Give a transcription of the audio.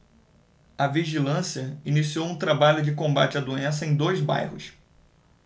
a vigilância iniciou um trabalho de combate à doença em dois bairros